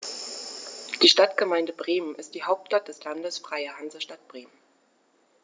Die Stadtgemeinde Bremen ist die Hauptstadt des Landes Freie Hansestadt Bremen.